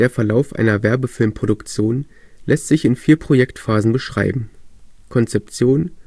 Verlauf einer Werbefilmproduktion lässt sich in vier Projekt-Phasen beschreiben: Konzeption